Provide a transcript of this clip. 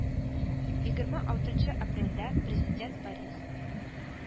Егерме алтынчы апрельдә Президент Борис